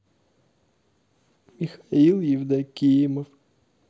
михаил евдокимов